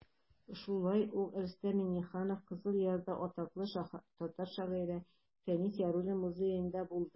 Шулай ук Рөстәм Миңнеханов Кызыл Ярда атаклы татар шагыйре Фәнис Яруллин музеенда булды.